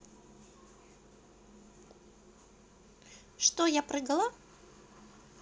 что я прыгала